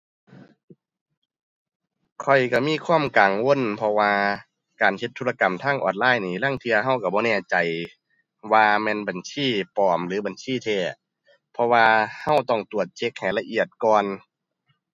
ข้อยก็มีความกังวลเพราะว่า การเฮ็ดธุรกรรมทางออนไลน์นี่ ลางเที่ยก็ก็บ่แน่ใจว่าแม่นบัญชีปลอมหรือบัญชีแท้ เพราะว่าก็ต้องตรวจเช็กให้ละเอียดก่อน